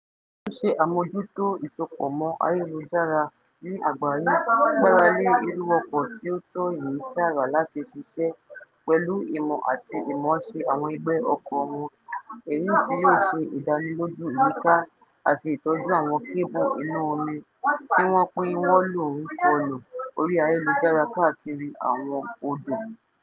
Ṣíṣe àmójútó ìsopọ̀ mọ́ ayélujára ní àgbáyé gbára lé irú ọkọ̀ tí ó tọ́ yìí tààrà láti ṣiṣẹ́, pẹ̀lú ìmọ̀ àti ìmọ̀ọ́ṣe àwọn ẹgbẹ́ ọkọ̀ wọn, èyí tí yóò ṣe ìdánilójú ìyíká àti ìtọ́jú àwọn kébù inú omi tí wọ́n ń pín wọ́lù-ǹ-kọlù orí ayélujára káàkiri àwọn odò.